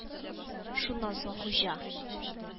Шуннан соң Хуҗа: